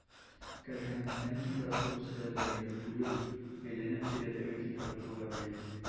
Кәлтәнең тән температурасы даими түгел, әйләнә-тирәдәге температурага бәйле.